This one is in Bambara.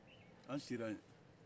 an sila yen